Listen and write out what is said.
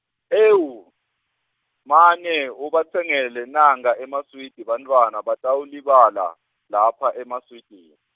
ewu, mane ubatsengele nankha emaswidi bantfwana batawulibala, lapha emaswidini.